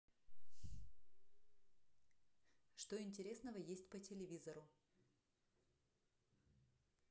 что интересного есть по телевизору